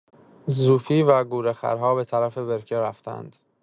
زوفی و گورخرها به‌طرف برکه رفتند.